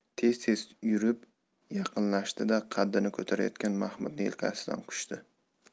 tez tez yurib yaqinlashdi da qaddini ko'tarayotgan mahmudni yelkasidan quchdi